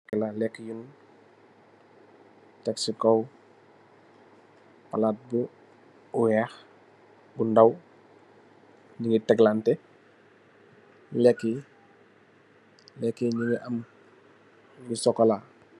ka la le ka tek ci kaw palat bu weex bu ndaw nyi teklanteh lekiyi lekiy nyu nhi am lu sokola